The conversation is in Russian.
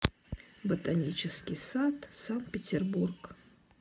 ботанический сад санкт петербург